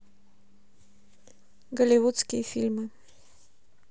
голливудские фильмы